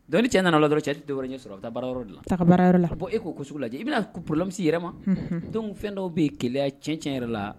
Donc ni cɛ nana la dɔrɔn cɛ ti dɔwɛrɛ ɲɛ sɔrɔ a bɛ taa baarayɔrɔ la a ta'a ka baara yɔrɔ la bon e k'o kosugu lajɛ i bɛna problème s'i yɛrɛ ma, unhun, donc fɛn dɔw bɛ yen keleya tiɲɛ tiɲɛ yɛrɛ la